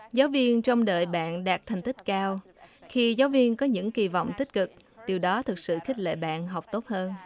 giáo viên trông đợi bạn đạt thành tích cao khi giáo viên có những kỳ vọng tích cực từ đó thực sự khích lệ bạn học tốt hơn